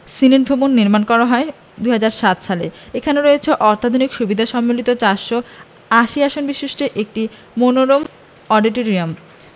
সিনেনভবন নির্মাণ করা হয় ২০০৭ সালে এখানে রয়েছে অত্যাধুনিক সুবিধা সম্বলিত ৪৮০ আসন বিশিষ্ট একটি মনোরম অডিটোরিয়াম